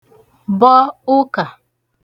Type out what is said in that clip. bọ ụkà